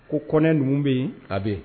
Ko kɔnɛ ninnu bɛ yen a bɛ